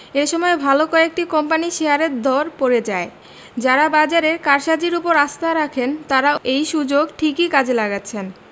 এ সময় ভালো কয়েকটি কোম্পানির শেয়ারের দর পড়ে যায় যাঁরা বাজারের কারসাজির ওপর আস্থা রাখেন তাঁরা এই সুযোগ ঠিকই কাজে লাগাচ্ছেন